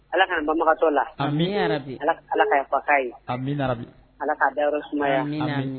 Ala ka hinɛ banbagatɔ la. ami Ala ka yafa ka ye . ami . Ala ka dayɔrɔ sumaya ami